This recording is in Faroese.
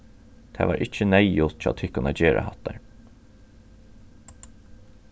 tað var ikki neyðugt hjá tykkum at gera hatta